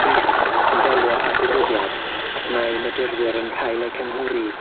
brys yn delio â'r digwyddiad, ac mae modurwyr yn cael eu cynghori i